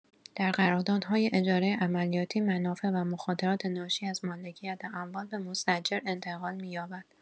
در قراردادهای اجاره عملیاتی، منافع و مخاطرات ناشی از مالکیت اموال به مستاجر انتقال می‌یابد.